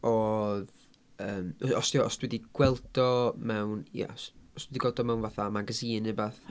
Oedd yym i- o- os 'di o os dwi 'di gweld o mewn... ia s- os dwi 'di gweld o mewn fatha magazine neu wbath.